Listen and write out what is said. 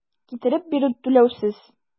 Китереп бирү - түләүсез.